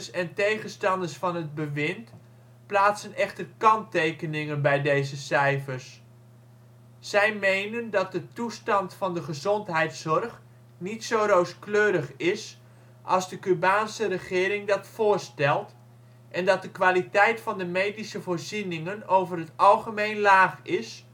en tegenstanders van het bewind plaatsen echter kanttekeningen bij deze cijfers. Zij menen dat de toestand van de gezondheidszorg niet zo rooskleurig is als de Cubaanse regering dat voorstelt en dat de kwaliteit van de medische voorzieningen over het algemeen laag is